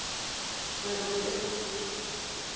мерил стрит